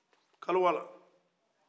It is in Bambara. kaliwa la